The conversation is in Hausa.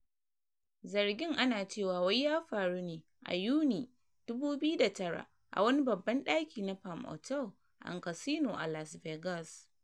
Zargin ana cewa wai ya faru ne a Yuni 2009 a wani babban ɗaki na Palm Otel and Casino a Las Vegas.